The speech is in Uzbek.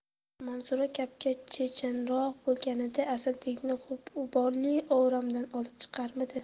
manzura gapga chechanroq bo'lganida asadbekni g'uborli o'ramdan olib chiqarmidi